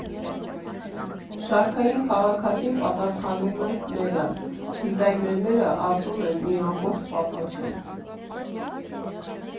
Շարքային քաղաքացին պատասխանում է՝ մեդալ, դիզայներները ասում են՝ մի ամբողջ պատմություն։